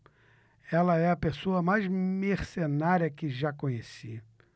ela é a pessoa mais mercenária que já conheci